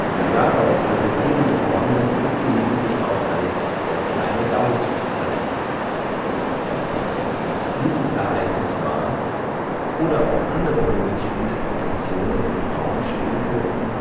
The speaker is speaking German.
Die daraus resultierende Formel wird gelegentlich auch als „ der kleine Gauß “bezeichnet. Ob es dieses Ereignis war, oder auch andere mögliche Interpretationen im Raum stehen könnten